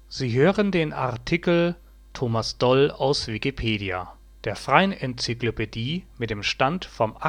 Sie hören den Artikel Thomas Doll, aus Wikipedia, der freien Enzyklopädie. Mit dem Stand vom